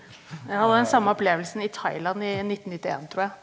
jeg hadde den samme opplevelsen i Thailand i 1991 tror jeg.